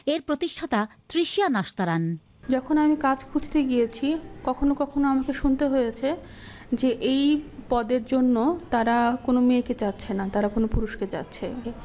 এর প্রতিষ্ঠাতা তৃষিয়া নাশতারান যখন আমি কাজ খুঁজতে গিয়েছি কখনো কখনো আমাকে শুনতে হয়েছে যে এই পদের জন্য তারা কোন মেয়ে কে যাচ্ছে না তারা কোন পুরুষকে যাচ্ছে